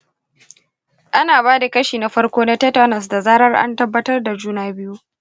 ana ba da kashi na farko na tetanus da zarar an tabbatar da juna biyu.